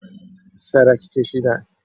سرک کشیدن